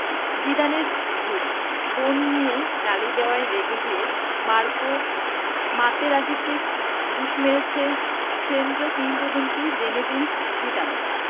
জিদানের ঢুস বোন নিয়ে গালি দেওয়ায় রেগে গিয়ে মার্কো মাতেরাজ্জিকে ঢুস মেরেছে ফ্রেঞ্চ কিংবদন্তি জেনেদিন জিদান